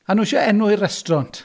A nhw isio enwi'r restaurant.